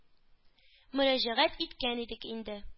Мөрәҗәгать иткән идек инде.